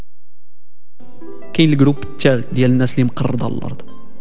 الجروب يا عبد الله